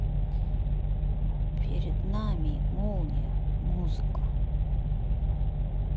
перед нами молния музыка